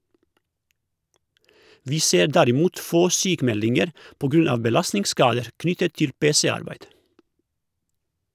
- Vi ser derimot få sykemeldinger på grunn av belastningsskader knyttet til PC-arbeid.